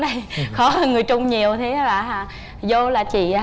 khó hơn người trung nhiều thế là dô là chỉ